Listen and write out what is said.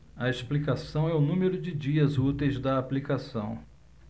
a explicação é o número de dias úteis da aplicação